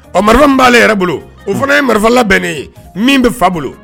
Ɔ marifa min b'ale yɛrɛ bolo o fana ye marifa labɛnnen ye min be fa bolo